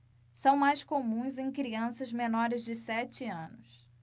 são mais comuns em crianças menores de sete anos